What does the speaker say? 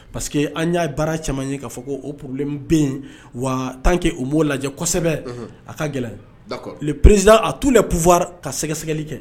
Parce que an y'a baara caman ye k'a fɔ ko o problème bɛ yen, wa tant que u m'o lajɛ kosɛbɛ! Unhun! Aka gɛlɛ. d'accord . Le président a tous les pouvoirs ka sɛgɛsɛgɛli kɛ.